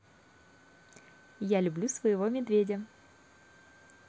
я люблю своего медведя